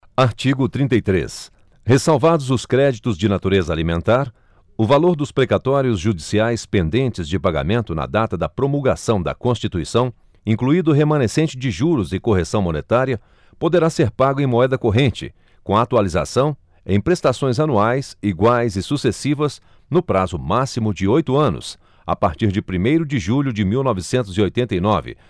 artigo trinta e três ressalvados os créditos de natureza alimentar o valor dos precatórios judiciais pendentes de pagamento na data da promulgação da constituição incluído o remanescente de juros e correção monetária poderá ser pago em moeda corrente com atualização em prestações anuais iguais e sucessivas no prazo máximo de oito anos a partir de primeiro de julho de mil novecentos e oitenta e nove